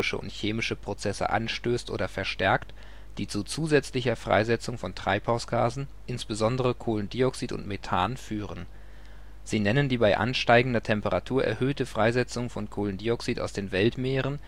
und chemische Prozesse anstößt oder verstärkt, die zu zusätzlicher Freisetzung von Treibhausgasen, insbesondere Kohlendioxid und Methan, führen. Sie nennen die bei ansteigender Temperatur erhöhte Freisetzung von Kohlendioxid aus den Weltmeeren